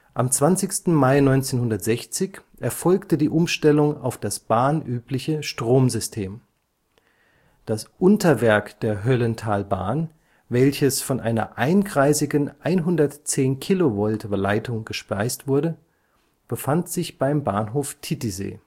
Am 20. Mai 1960 erfolgte die Umstellung auf das bahnübliche Stromsystem. Das Unterwerk der Höllentalbahn, welches von einer einkreisigen 110 kV-Leitung gespeist wurde, befand sich beim Bahnhof Titisee